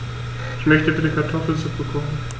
Ich möchte bitte Kartoffelsuppe kochen.